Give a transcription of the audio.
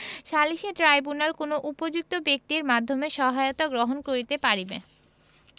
সালিসী ট্রাইব্যুনাল কোন উপযুক্ত ব্যক্তির মাধ্যমে সহায়তা গ্রহণ করিতে পারিবে